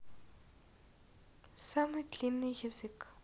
самый длинный язык